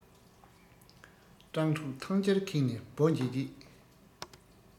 སྤྲང ཕྲུག ཐང རྒྱལ ཁེངས ནས སྦོ འགྱེད འགྱེད